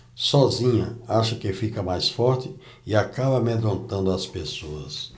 sozinha acha que fica mais forte e acaba amedrontando as pessoas